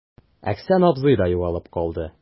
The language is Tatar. Әхсән абзый да югалып калды.